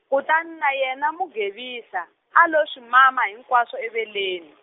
kutani na yena Mugevisa a lo swi mama hinkwaswo eveleni.